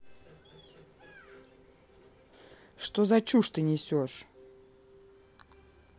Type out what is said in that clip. что за чушь ты несешь